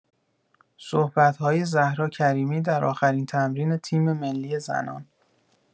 صحبت‌های زهرا کریمی در آخرین تمرین تیم‌ملی زنان